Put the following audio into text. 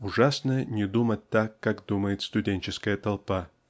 Ужасно не думать так, как думает студенческая толпа!